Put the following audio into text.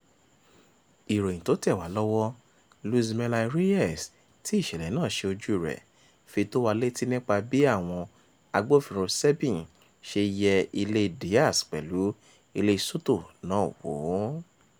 [Ìròyìn tó tẹ̀wá lọ́wọ́] Luz Mely Reyes tí ìṣẹ̀lẹ̀ náà ṣe ojúu rẹ̀, fi tó wa létí nípa bí àwọn Agbófinró SEBIN ṣe yẹ ilée Díaz pẹ̀lú ilée Soto náà wò.